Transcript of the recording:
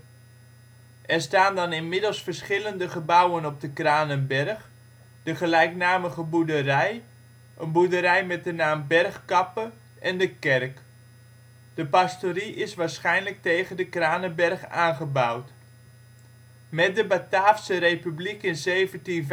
staan dan inmiddels verschillende gebouwen op de Kranenberg: de gelijknamige boerderij, een boerderij met de naam " Bergkappe " en de kerk. De pastorie is waarschijnlijk tegen de Kranenberg aangebouwd. Met de Bataafse Republiek in 1795